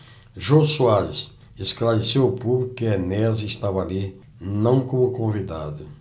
jô soares esclareceu ao público que enéas estava ali não como convidado